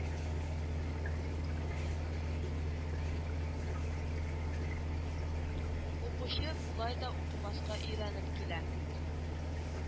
Укучы болай да укымаска өйрәнеп килә